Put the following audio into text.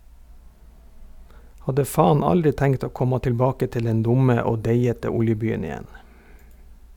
Hadde faen aldri tenkt å komma tilbake til den dumme og deigete oljebyen igjen.